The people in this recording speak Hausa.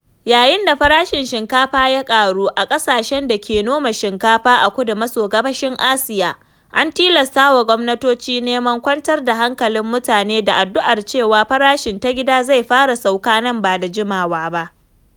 Yayin da farashin shinkafa ya ƙaru a ƙasashen da ke noma shinkafa a kudu maso gabashin Asiya, an tilastawa gwamnatoci neman a kwantar da hankalin mutane da addu’ar cewa farashin ta gida zai fara sauƙa nan ba da jimawa ba.